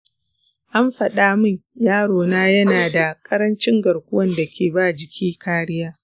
an faɗa min yaro na yana da ƙarancin garkuwan dake ba jiki kariya.